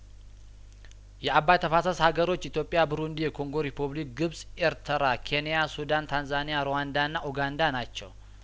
የአባይ ተፋሰስ ሀገሮች ኢትዮጵያ ብሩንዲ የኮንጐ ሪፐብሊክ ግብጽ ኤርትራ ኬንያ ሱዳን ታንዛኒያ ሩዋንዳና ኡጋንዳ ናቸው